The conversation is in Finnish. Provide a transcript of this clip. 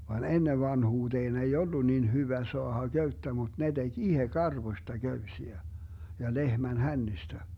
vaan ennen vanhuuteen ei ollut niin hyvä saada köyttä mutta ne teki itse karvoista köysiä ja lehmän hännistä